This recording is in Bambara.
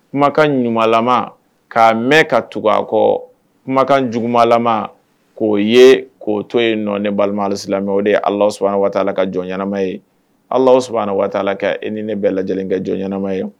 Kumakan ɲumanlama'a mɛn ka tugu a kɔ kumakan jugumalama k'o ye k'o to ye nɔ ne balimala o de ye alas waala ka jɔnanama ye ala sana waatila ka e ni ne bɛɛ lajɛ lajɛlen kɛ jɔn ɲɛnaanama ye